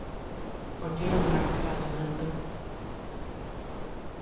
fortel mær hvat tú heldur